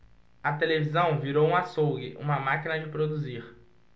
a televisão virou um açougue uma máquina de produzir